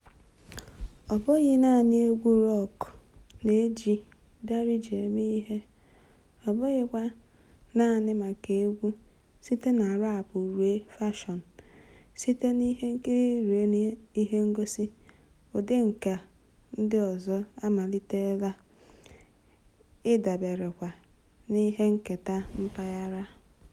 Ọ bụghị naanị egwu rọk na-eji Darija eme ihe, ọ bụghịkwa naanị maka egwu: site na raapụ ruo fushọn, site n'ihenkiri ruo n'ihengosị, ụdị nkà ndị ọzọ amalitela ịdaberekwa n'ihe nketa mpaghara.